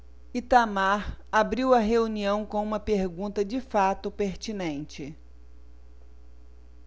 itamar abriu a reunião com uma pergunta de fato pertinente